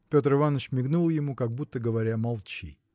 Петр Иваныч мигнул ему, как будто говоря: Молчи.